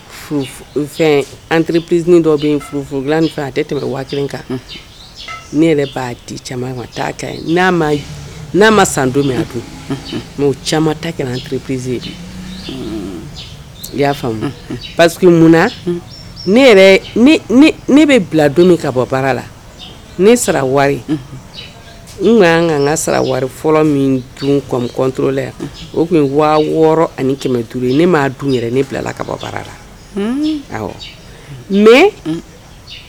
Anpz dɔ bɛ furulan tɛ tɛmɛ waati kelen kan ne yɛrɛ b'a di caman na ma san don min caman ta kɛ an teriripsiz i y'a faamu pa munna ne bɛ bila don min ka bɔ baara la ne sara wari n n ka sara wari fɔlɔ min dunmɔnla yan o tun waa wɔɔrɔ ani kɛmɛ duuru ye ne m'a dun yɛrɛ ne bilala ka bɔ baara la mɛ